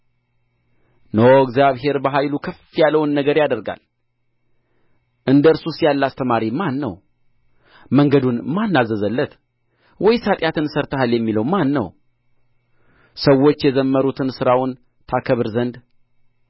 እነሆ እግዚአብሔር በኃይሉ ከፍ ያለውን ነገር ያደርጋል እንደ እርሱስ ያለ አስተማሪ ማን ነው መንገዱን ማን አዘዘለት ወይስ ኃጢአትን ሠርተሃል የሚለው ማን ነው ሰዎች የዘመሩትን ሥራውን ታከብር ዘንድ